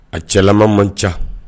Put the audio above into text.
A cɛla man ca